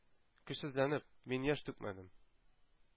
Көчсезләнеп, мин яшь түкмәдем.